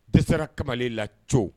Dɛsɛsara kamalen la c